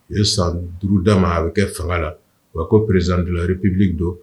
U ye san duuruda ma a bɛ kɛ fanga la wa ko perezandurip don